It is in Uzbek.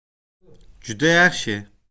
juda yaxshi